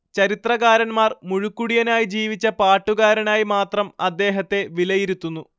ചരിത്രകാരന്മാർ മുഴുക്കുടിയനായി ജീവിച്ച പാട്ടുകാരനായി മാത്രം അദ്ദേഹത്തെ വിലയിരുത്തുന്നു